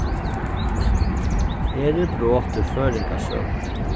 her er brot úr føroyingasøgu